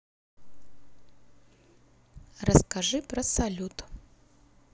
расскажи про салют